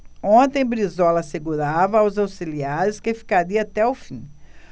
ontem brizola assegurava aos auxiliares que ficaria até o fim